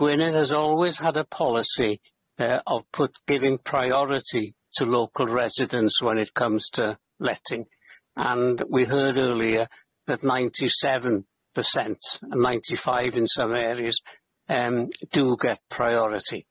Gwynedd has always had a policy yy of put giving priority to local residents when it comes to letting, and we heard earlier that ninety seven percent ninety five in some areas yym do get priority.